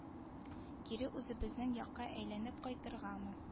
Кире үзебезнең якка әйләнеп кайтыргамы